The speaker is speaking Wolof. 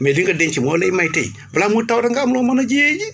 mais li nga denc moo lay may tey balaa mu taw rek nga am loo mën a jiyee ji